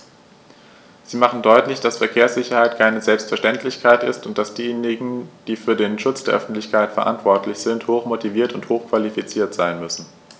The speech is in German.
Sie machen deutlich, dass Verkehrssicherheit keine Selbstverständlichkeit ist und dass diejenigen, die für den Schutz der Öffentlichkeit verantwortlich sind, hochmotiviert und hochqualifiziert sein müssen.